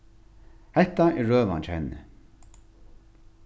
hetta er røðan hjá henni